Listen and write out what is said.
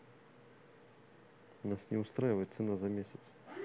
нас не устраивает цена за месяц